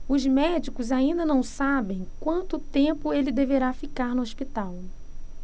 os médicos ainda não sabem quanto tempo ele deverá ficar no hospital